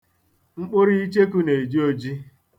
Mkpụrụ icheku na-eji oji.